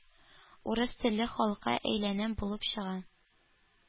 «урыс телле халык»ка әйләнәм булып чыга.